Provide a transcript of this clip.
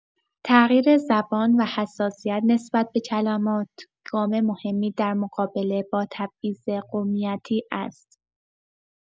تغییر زبان و حساسیت نسبت به کلمات، گام مهمی در مقابله با تبعیض قومیتی است.